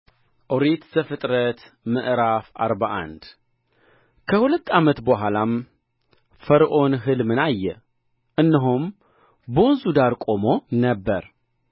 ኦሪት ዘፍጥረት ምዕራፍ አርባ አንድ ከሁለት ዓመት በኋላም ፈርዖን ሕልምን አየ እነሆም በወንዙ ዳር ቆሞ ነበር